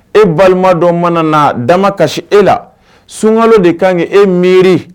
E balima dɔ mana n'a dama kasi e la sunkalo de kan kɛ e miiri.